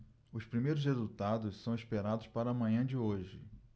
os primeiros resultados são esperados para a manhã de hoje